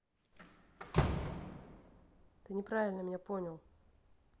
ты неправильно меня понял